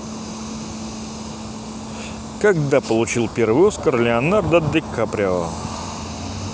когда получил первый оскар леонардо ди каприо